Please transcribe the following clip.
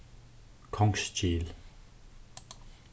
kongsgil